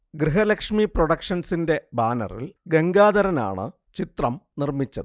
ഗൃഹലക്ഷ്മി പ്രൊഡക്ഷൻസിന്റെ ബാനറിൽ ഗംഗാധരനാണ് ചിത്രം നിർമ്മിച്ചത്